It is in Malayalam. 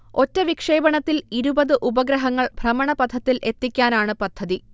ഒറ്റ വിക്ഷേപണത്തിൽ ഇരുപത് ഉപഗ്രഹങ്ങൾ ഭ്രമണപഥത്തിൽ എത്തിക്കാനാണ് പദ്ധതി